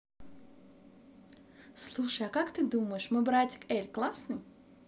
слушай как ты думаешь мой братик эль классный